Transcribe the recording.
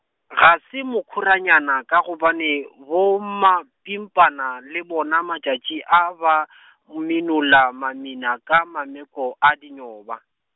ga se mokhoranyana ka gobane bomapimpana le bona matšatši a ba , minola mamina ka mameko a dinyoba.